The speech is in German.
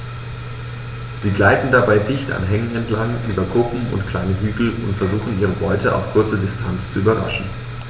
Sie gleiten dabei dicht an Hängen entlang, über Kuppen und kleine Hügel und versuchen ihre Beute auf kurze Distanz zu überraschen.